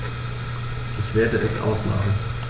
Ich werde es ausmachen